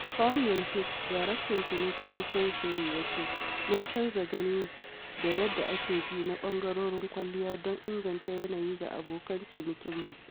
Paul Mills-Hicks, daraktan ciniki na Sainsbury's ya ce: “Mun canza gani da yadda ake ji na ɓangarorin kwalliya don inganta yanayi ga abokan cinikinmu.